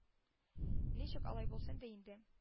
Ничек алай булсын ди инде